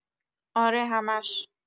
اره همش